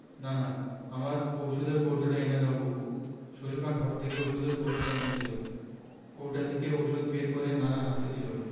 নানা আমার ঔষধের কৌটোটা এনে দাও বুবু শরিফা ঘর থেকে ঔষধের কৌটোটা এনে দিল কৌটা থেকে ঔষধ বের করে নানার হাতে দিল